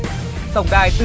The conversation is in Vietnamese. tổng đài